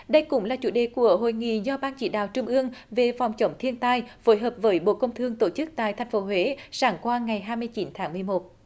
đây cũng là chủ đề của hội nghị do ban chỉ đạo trung ương về phòng chống thiên tai phối hợp với bộ công thương tổ chức tại thành phố huế sáng qua ngày hai mươi chín tháng mười một